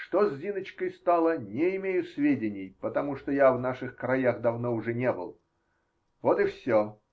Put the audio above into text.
Что с Зиночкой стало -- не имею сведений, потому что я в наших краях давно уже не был. Вот и все.